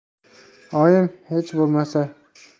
oyim hech bo'lmasa